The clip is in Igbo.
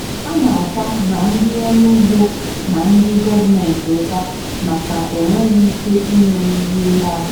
A na-ata ma ndị ọrụ ugbo ma ndị gọọmentị ụta maka enweghị ike ịme ihe ha.